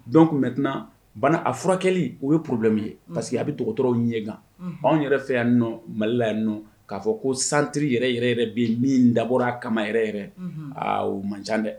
Don tun mɛ tɛna bana a furakɛ o ye porobi min ye parceri que a bɛ tɔgɔ dɔgɔtɔrɔw ɲɛ kan anw yɛrɛ fɛ yan nɔ malila yan nɔ k'a fɔ ko santiriri yɛrɛ yɛrɛ yɛrɛ bɛ min dabɔra a kama yɛrɛ yɛrɛ aa o manc dɛ